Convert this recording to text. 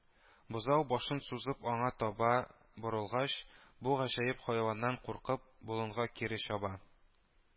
Бозау башын сузып аңа таба борылгач, бу гаҗәеп хайваннан куркып, болынга кире чаба